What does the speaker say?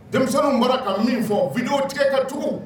Denmisɛnnin mara ka min fɔ vjo tigɛ ka cogo